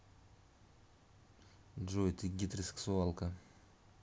джой ты гетеросексуалка